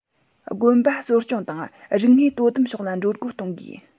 དགོན པ གསོ སྐྱོང དང རིག དངོས དོ དམ ཕྱོགས ལ འགྲོ སྒོ གཏོང དགོས